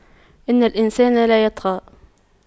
إِنَّ الإِنسَانَ لَيَطغَى